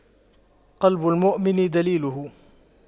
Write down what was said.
قلب المؤمن دليله